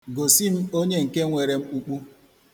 Gosi m onye nke nwere mkpukpu.